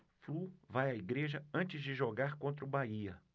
flu vai à igreja antes de jogar contra o bahia